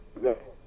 20